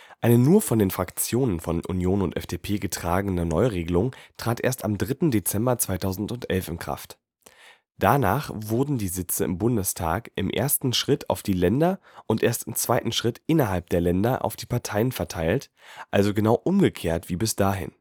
Eine nur von den Fraktionen von Union und FDP getragene Neuregelung trat erst am 3. Dezember 2011 in Kraft. Danach wurden die Sitze im Bundestag im ersten Schritt auf die Länder und erst im zweiten Schritt innerhalb der Länder auf die Parteien verteilt, also genau umgekehrt wie bis dahin